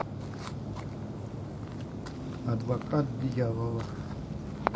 адвокат дьявола